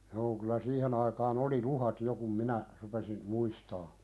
joo kyllä siihen aikaan oli luhdat jo kun minä rupesin muistamaan